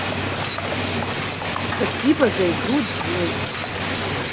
спасибо за игру джой